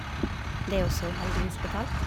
Det også heldigvis betalt.